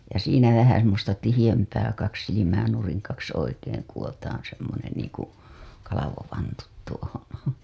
ja siinä vähän semmoista tiheämpää kaksi silmää nurin kaksi oikein kudotaan semmoinen niin kuin kalvovantut tuohon